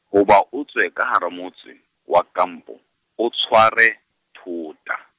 hoba o tswe ka hara motse, wa kampo, o tshware, thota.